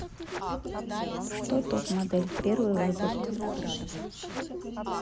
что топ модель первый выпуск